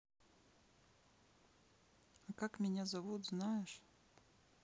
а как меня зовут знаешь